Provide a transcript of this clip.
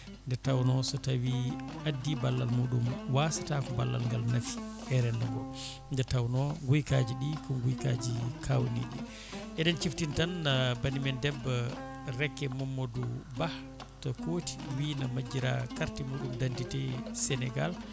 nde tawno so tawi addi ballal muɗum wasata ko ballal ngal naafi e rendo ngo nde tawno guykaji ɗi ko guykaji kawniɗi eɗen ciftina tan banimen debbo Raky Mamadou Ba to Kooti wi ne majjira carte muɗum d' identité Sénégal